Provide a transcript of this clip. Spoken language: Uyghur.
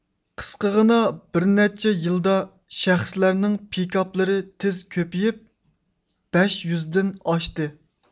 قىسقىغىنا بىر نەچچە يىلدا شەخسلەرنىڭ پىكاپلىرى تېز كۆپىيىپ بەش يۈزدىن ئاشتى